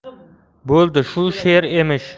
bo'ldi shu she'r emish